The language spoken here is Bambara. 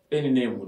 E ni ne